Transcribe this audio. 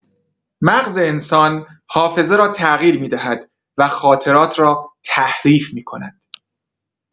مغز انسان حافظه را تغییر می‌دهد و خاطرات را تحریف می‌کند.